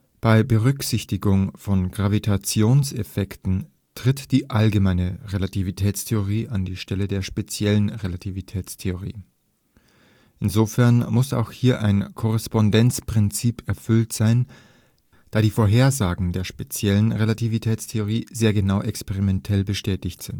Bei Berücksichtigung von Gravitationseffekten tritt die allgemeine Relativitätstheorie an die Stelle der speziellen Relativitätstheorie. Insofern muss auch hier ein Korrespondenzprinzip erfüllt sein, da die Vorhersagen der speziellen Relativitätstheorie sehr genau experimentell bestätigt